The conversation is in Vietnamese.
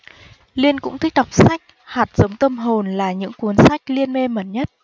liên cũng thích đọc sách hạt giống tâm hồn là những cuốn sách liên mê mẩn nhất